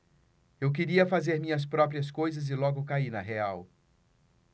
eu queria fazer minhas próprias coisas e logo caí na real